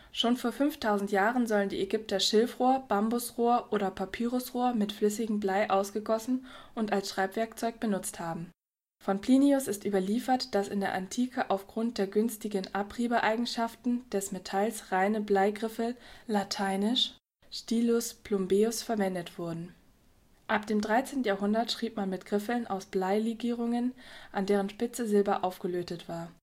Schon vor 5000 Jahren sollen die Ägypter Schilfrohr, Bambusrohr oder Papyrusrohr mit flüssigem Blei ausgegossen und als Schreibwerkzeug benutzt haben. Von Plinius ist überliefert, dass in der Antike auf Grund der günstigen Abriebeigenschaften des Metalls reine Bleigriffel (lat. stilus plumbéus) verwendet wurden. Ab dem 13. Jahrhundert schrieb man mit Griffeln aus Blei-Legierungen, an deren Spitze Silber aufgelötet war